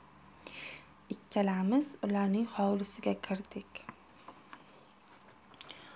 ikkalamiz ularning hovlisiga kirdik